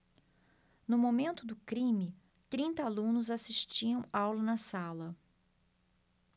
no momento do crime trinta alunos assistiam aula na sala